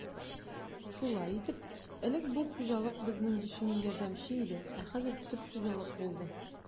Шулай итеп, элек бу хуҗалык безнең өчен ярдәмче иде, ә хәзер төп хуҗалык булды.